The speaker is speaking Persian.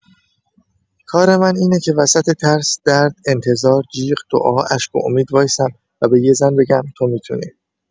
کار من اینه که وسط ترس، درد، انتظار، جیغ، دعا، اشک و امید وایستم و به یه زن بگم: تو می‌تونی.